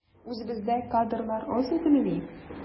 Үзебездә кадрлар аз идемени?